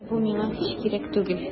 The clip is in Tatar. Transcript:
Әмма бу миңа һич кирәк түгел.